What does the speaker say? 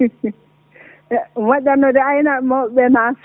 moƴƴatno de aynaaɓe mawɓe ɓee naata e